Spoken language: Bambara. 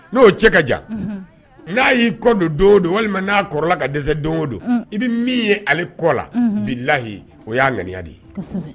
N'o cɛ ka jan, n'a y'i kɔ don, walima n'a kɔrɔla ka dɛsɛ, i bɛ min ye ale kɔ la, billaahi o y'a ŋaniya de ye.